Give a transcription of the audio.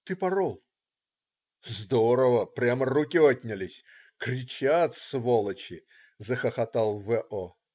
- "Ты порол?" "Здорово, прямо руки отнялись, кричат, сволочи",- захохотал В-о.